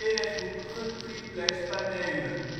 rechthoekige, triplex panelen